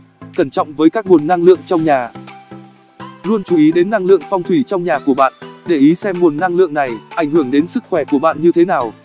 cẩn trọng với các nguồn năng lượng trong nhà luôn chú ý đến năng lượng phong thủy trong nhà của bạn để ý xem nguồn năng lượng này ảnh hưởng đến sức khỏe của bạn như thế nào